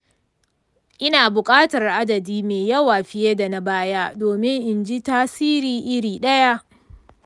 ina buƙatar adadi mai yawa fiye da na baya domin in ji tasiri iri ɗaya.